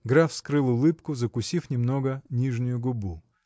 Граф скрыл улыбку, закусив немного нижнюю губу.